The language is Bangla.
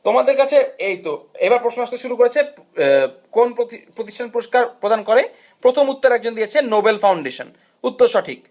তোমাদের কাছে এইতো এবার প্রশ্ন আসতে শুরু করেছে কোন প্রতিষ্ঠানে পুরস্কার প্রদান করে প্রথম উত্তর একজন দিয়েছে নোবেল ফাউন্ডেশন উত্তর সঠিক